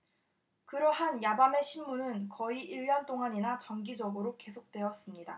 그러한 야밤의 심문은 거의 일년 동안이나 정기적으로 계속되었습니다